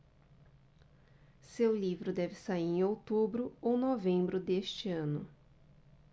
seu livro deve sair em outubro ou novembro deste ano